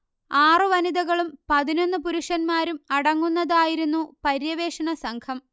ആറു വനിതകളും പതിനൊന്നു പുരുഷന്മാരും അടങ്ങുന്നതായിരുന്നു പര്യവേഷണ സംഘം